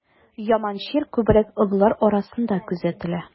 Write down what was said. Яман чир күбрәк олылар арасында күзәтелә.